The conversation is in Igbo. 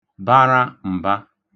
baṙa m̀ba